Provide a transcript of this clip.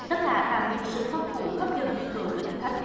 tất cả tạo nên sự phong phú hấp dẫn đối với thực khách